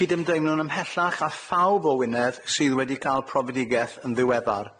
Cydymdeimlwn ymhellach â phawb o Wynedd sydd wedi cael profedigaeth yn ddiweddar.